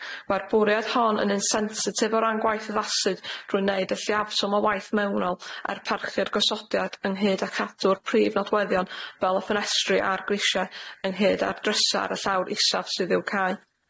Mae'r bwriad hon yn un sensitif o ran gwaith addasu drwy wneud y lliafswm o waith mewnol a'r parchu'r gosodiad ynghyd â cadw'r prif nodweddion fel y ffenestri a'r grisia ynghyd â'r drysa' ar y llawr isaf sydd i'w cau.